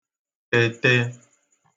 tete